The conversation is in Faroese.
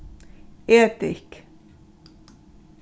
edik